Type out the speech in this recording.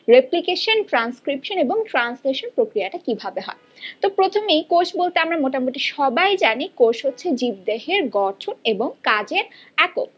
replication transcription এবং translation প্রক্রিয়া টা কিভাবে হয় তো প্রথমেই কোষ বলতে আমরা মোটামুটি সবাই জানি কোষ হচ্ছে জীবদেহের গঠন এবং কাজের একক